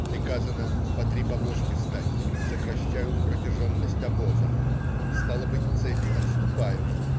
Приказано по три повозки стать - сокращают протяженность обоза. Стало быть, цепи отступают.